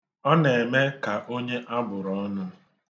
Ọ na-eme ka onye a bụrụ ọnụ